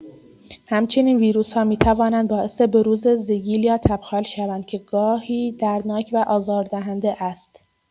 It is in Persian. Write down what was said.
همچنین ویروس‌ها می‌توانند باعث بروز زگیل یا تبخال شوند که گاهی دردناک و آزاردهنده است.